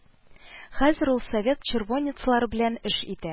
Хәзер ул совет червонецлары белән эш итә